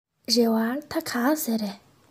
རེ བ ད ག ཟེ རེད